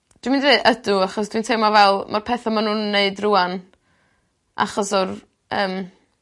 Dw ddi-... Ydw achos dwi'n teimlo fel ma petha ma' nw'n neud rŵan achos o'r yym